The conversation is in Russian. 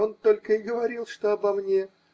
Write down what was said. Он только и говорил, что обо мне